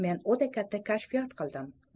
men juda katta kashfiyot qildim